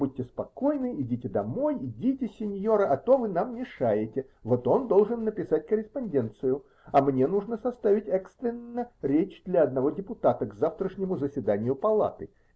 Будьте спокойны, идите домой, идите, синьора, а то вы нам мешаете: вот он должен написать корреспонденцию, а мне нужно составить экстренно речь для одного депутата к завтрашнему заседанию палаты